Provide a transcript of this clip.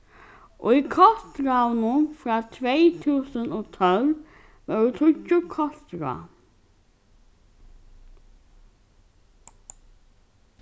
í kostráðunum frá tvey túsund og tólv vóru tíggju kostráð